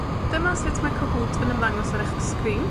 Dyma sut mae Cahoot yn ymddangos ar 'ych sgrin.